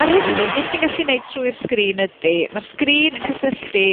...ar hyn o bryd be' ti'n gallu neud trwy'r sgrin ydi, ma'r sgrin yn cysylltu